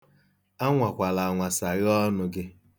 Anwakwala anwa saghee ọnụ gị.